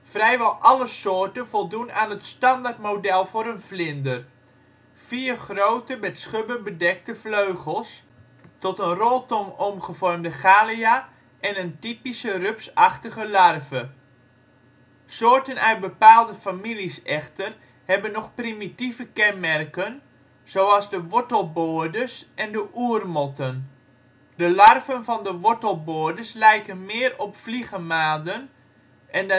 Vrijwel alle soorten voldoen aan het standaardmodel voor een vlinder; vier grote met schubben bedekte vleugels, tot een ' roltong ' omgevormde galea en een typische rupsachtige larve. Soorten uit bepaalde families echter hebben nog primitieve kenmerken, zoals de wortelboorders en de oermotten. De larven van de wortelboorders lijken meer op vliegenmaden en